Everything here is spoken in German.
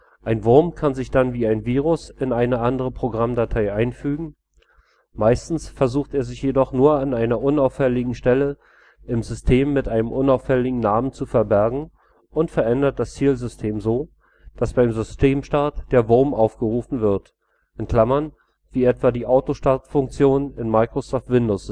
Ein Wurm kann sich dann wie ein Virus in eine andere Programmdatei einfügen; meistens versucht er sich jedoch nur an einer unauffälligen Stelle im System mit einem unauffälligen Namen zu verbergen und verändert das Zielsystem so, dass beim Systemstart der Wurm aufgerufen wird (wie etwa die Autostart-Funktion in Microsoft-Windows-Systemen